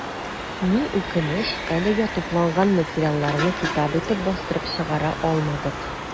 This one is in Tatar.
Ни үкенеч, әлегә тупланган материалларны китап итеп бастырып чыгара алмадык.